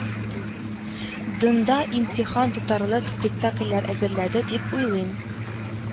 Дында имтихан тотарлык спектакльләр әзерләде дип уйлыйм